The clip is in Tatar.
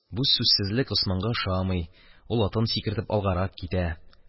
Бу сүзсезлек Госманга ошамый, ул, атын сикертеп, алгарак китә.